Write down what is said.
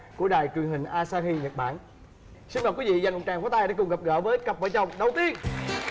của đài truyền hình a sa hi nhật bản xin mời quý vị dành một tràng pháo tay để cùng gặp gỡ với cặp vợ chồng đầu tiên